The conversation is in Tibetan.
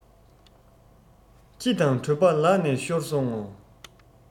ཁྱི དང གྲོད པ ལག ནས ཤོར སོང ངོ